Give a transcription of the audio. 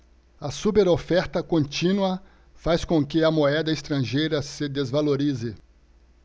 a superoferta contínua faz com que a moeda estrangeira se desvalorize